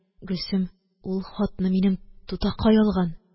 Гөлсем: – Ул хатны минем тутакай алган